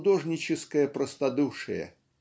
художническое простодушие